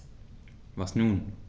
Was nun?